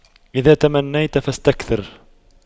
إذا تمنيت فاستكثر